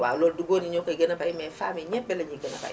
waaw loolu du góor ñi ñoo koy gën a bay mais:femmes yi ñebe lañuy gën a bay